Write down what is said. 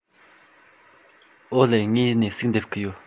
ཨོ ལེ ངས ནས ཟིག འདེབས གི ཡོད